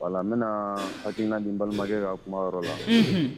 A n bɛna hakiina nin balimakɛ ka kumayɔrɔ la